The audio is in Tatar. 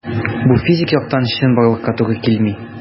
Бу физик яктан чынбарлыкка туры килми.